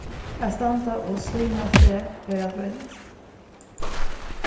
at standa og sýna seg er at roynast